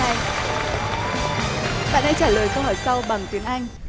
bạn hãy trả lời câu hỏi sau bằng tiếng anh